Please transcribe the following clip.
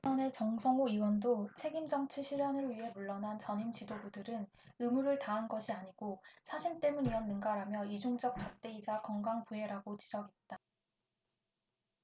재선의 정성호 의원도 책임정치 실현을 위해 물러난 전임 지도부들은 의무를 다한 것이 아니고 사심 때문이었는가라며 이중적 잣대이자 견강부회라고 지적했다